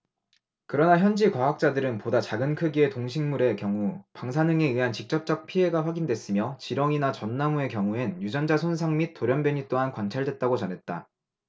그러나 현지 과학자들은 보다 작은 크기의 동식물의 경우 방사능에 의한 직접적 피해가 확인됐으며 지렁이나 전나무의 경우엔 유전자 손상 및 돌연변이 또한 관찰됐다고 전했다